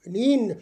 niin